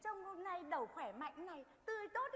trông hôm nay đẩu khỏe mạnh này tươi tốt